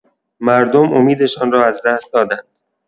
مردم امیدشان را از دست دادند.